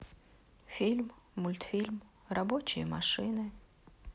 фильм мультфильм рабочие машины